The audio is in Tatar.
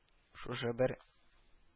Шушы бер